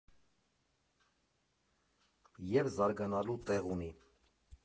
Եվ զարգանալու տեղ ունի։